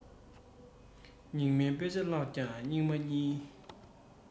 སྙིགས མའི དཔེ ཆ བཀླགས ཀྱང སྙིགས མ ཉིད